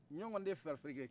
ɲɔgɔn den farifereke